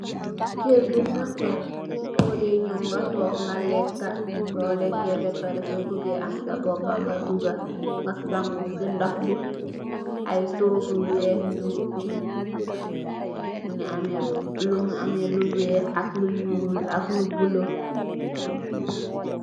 Kerr bu magla bude nyaw ga tonke ga leka su leke ba pareh su buge amsa bopa ga duga ga sangu se noh be ayee toogu weehe nuge fee nuge ameh nuge ameh lu weeh ak lu njol ak lu bluelo.